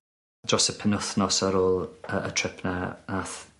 Dros y penwthnos ar ôl y y trip 'na ath...